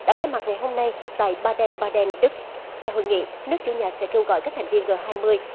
đã khai mạc ngày hôm nay tại ba đen ba đen đức tại hội nghị nước chủ nhà sẽ kêu gọi các thành viên gờ hai mươi